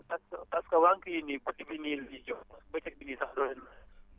parce que parce que wànq yii nii guddi gi nii la ñuy jóg bëccëg bi sax doo leen